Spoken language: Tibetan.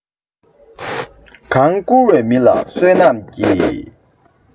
གང བཀུར བའི མི ལ བསོད ནམས སྐྱེ